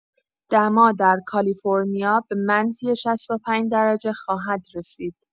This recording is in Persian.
دما در کالیفرنیا به منفی ۶۵ درجه خواهد رسید.